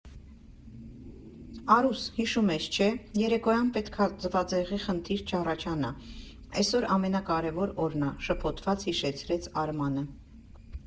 Արուս, հիշում ես չէ՞՝ երեկոյան պետք ա ձվածեղի խնդիր չառաջանա, էսօր ամենակարևոր օրն ա, ֊ շփոթված հիշեցրեց Արմանը։